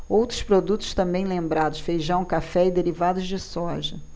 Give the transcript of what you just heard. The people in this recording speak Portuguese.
outros produtos também lembrados feijão café e derivados de soja